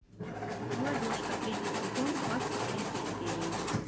молодежка третий сезон двадцать третья серия